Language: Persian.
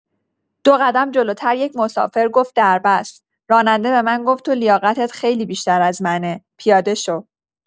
دو قدم جلوتر یک مسافر گفت دربست، راننده به من گفت تو لیاقتت خیلی بیشتر از منه پیاده شو!